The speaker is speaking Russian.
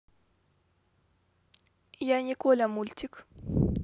я не коля мультик